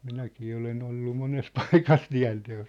minäkin olen ollut monessa paikassa tienteossa